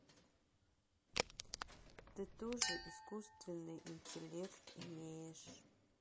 ты тоже искусственный интеллект имеешь